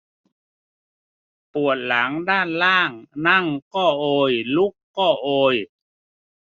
ปวดหลังด้านล่างนั่งก็โอยลุกก็โอย